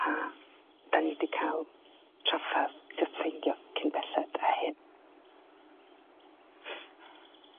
A 'dan ni 'di ca'l trafferth jyst ffeindio cyn belled a hyn.